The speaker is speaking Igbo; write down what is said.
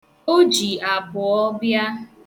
O ji abụọ bịa.